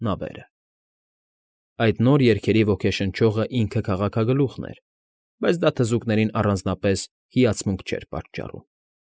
Նավերը։ Այդ նոր երգերի ոգեշնչողն ինքը քաղաքագլուխն էր, բայց դա թզուկներին առանձնապես հիացմունք չէր պատճառում։